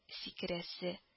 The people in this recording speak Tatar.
Сикерәсе